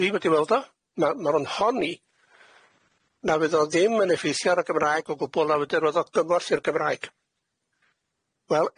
Dwi wedi weld o. Ma' ma' nw'n honni na fydd o ddim yn effeithio ar y Gymraeg o gwbwl na wederodd o gymorth i'r Gymraeg.